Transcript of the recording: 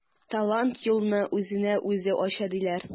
Талант юлны үзенә үзе ача диләр.